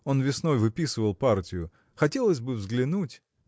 Он весной выписывал партию: хотелось бы взглянуть.